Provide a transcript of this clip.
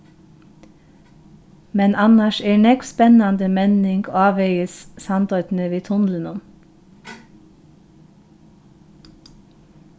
men annars er nógv spennandi menning ávegis sandoynni við tunlinum